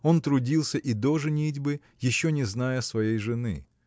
Он трудился и до женитьбы, еще не зная своей жены.